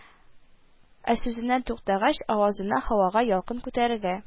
Ә сүзеннән туктагач, авызыннан һавага ялкын күтәрелә